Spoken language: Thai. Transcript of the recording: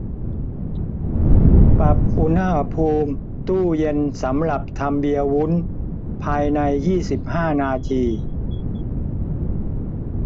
ปรับอุณหภูมิตู้เย็นสำหรับทำเบียร์วุ้นภายในยี่สิบห้านาที